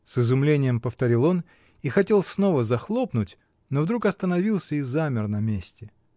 — с изумлением повторил он и хотел снова захлопнуть, но вдруг остановился и замер на месте.